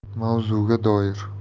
mavzuga doir